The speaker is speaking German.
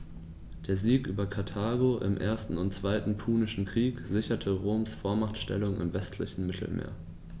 Der Sieg über Karthago im 1. und 2. Punischen Krieg sicherte Roms Vormachtstellung im westlichen Mittelmeer.